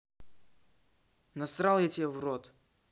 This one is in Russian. насрал я тебе в рот